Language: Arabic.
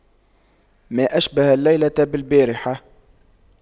ما أشبه الليلة بالبارحة